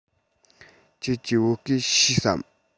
ཁྱེད ཀྱིས བོད སྐད ཤེས སམ